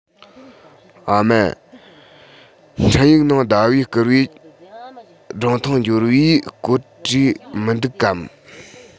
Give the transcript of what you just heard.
ཨ མ འཕྲིན ཡིག ནང ཟླ བས བསྐུར བའི སྒྲུང ཐུང འབྱོར བའི སྐོར བྲིས མི འདུག གམ